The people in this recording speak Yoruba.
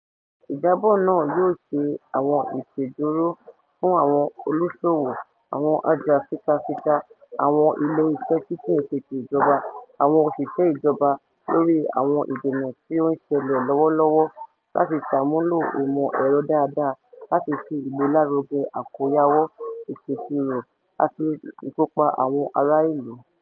Ìjábọ̀ náà yóò ṣe àwọn ìṣèdúró fún àwọn olúsowó, àwọn ajàfitafita, àwọn Ilé Iṣẹ́ tí kìí se ti Ìjọba, àti àwọn òṣìṣẹ́ ìjọba lórí àwọn ìdènà tí ó ń ṣẹlẹ̀ lọ́wọ́lọ́wọ́ láti sàmúlò ìmọ̀ ẹ̀rọ dáadáa láti ṣe ìgbélárugẹ àkóyawọ́, ìṣèsirò àti ikópa àwọn ará ìlú.